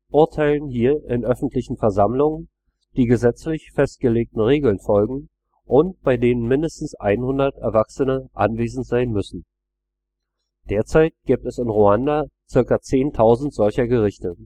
urteilen hier in öffentlichen Versammlungen, die gesetzlich festgelegten Regeln folgen und bei denen mindestens 100 Erwachsene anwesend sein müssen. Derzeit gibt es in Ruanda zirka 10.000 solcher Gerichte